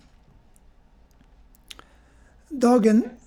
Dagen...